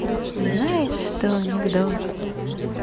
знаешь что анекдот